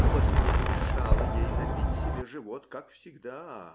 Злость не помешала ей набить себе живот, как всегда